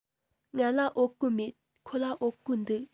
ང ལ བོད གོས མེད ཁོ ལ བོད གོས འདུག